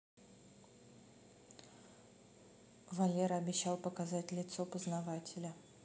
валера обещал показать лицо познавателя